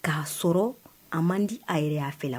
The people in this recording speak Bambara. Ka sɔrɔ a man di a ye . A fɛ la